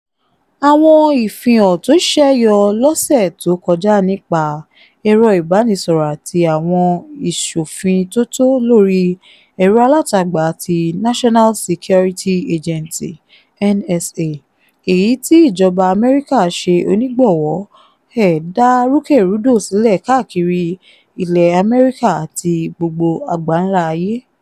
Àwọn ìfìhàn tó ṣẹ́yọ lọ́ṣẹ̀ tó kọjá nípa ẹ̀rọ ìbánísọ̀rọ̀ àti àwọn ìṣofintótó lórí ẹ̀rọ alátagbà tí National Security Agency (NSA) èyí tí ìjọba Àmẹ́ríkà ṣe onígbọ̀wọ́ ẹ̀ dá rúkèrúdò sílẹ̀ káàkiri ilẹ̀ Àmẹ́ríkà àti gbogbo àgbánlá ayé.